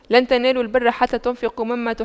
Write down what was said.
لَن تَنَالُواْ البِرَّ حَتَّى تُنفِقُواْ مِمَّا تُحِبُّونَ